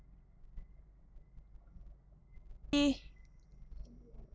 ཏུའུ ཏེའི